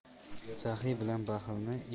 saxiy bilan baxilni